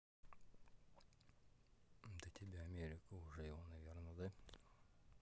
да тебя америка уже его наверно да